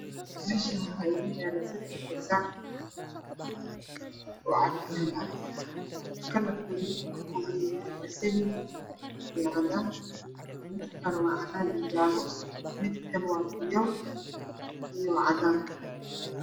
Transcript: Meshanwaxa inooyalo sadax gazac oo capitaan ah kalarkoodu waxa uu kakoopan yahy pazali cadaan iyo jaalo midka kale waa cadan iyo fiyool iyo cadaan